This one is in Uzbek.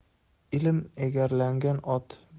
ilm egarlangan ot